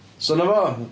So 'na fo.